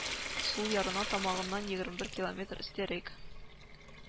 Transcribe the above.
Сул ярына тамагыннан егерме бер километр өстәрәк